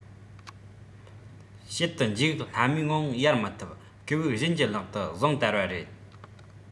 བྱེད དུ འཇུག སླ མོས ངང ཡལ མི ཐུབ སྐད སྦུག གཞན གྱི ལག ཏུ བཟུང དར བ རེད